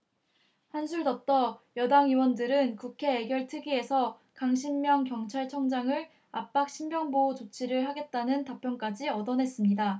한술 더 떠 여당 의원들은 국회 예결특위에서 강신명 경찰청장을 압박 신변보호 조치를 하겠다는 답변까지 얻어냈습니다